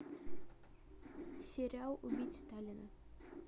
сериал убить сталина